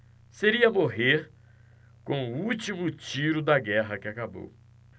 seria morrer com o último tiro da guerra que acabou